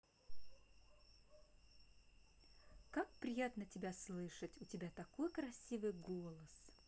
как приятно тебя слышать у тебя такой красивый голос